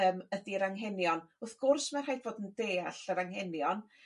yym ydi'r anghenion. Wrth gwrs ma' rhaid fod yn deall yr anghenion